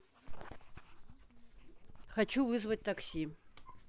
хочу вызвать такси